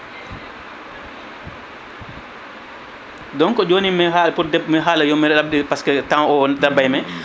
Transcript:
donc joni mi ha pour mi haala yummiraɓeɓe pasque temps o ɗaɓɓay me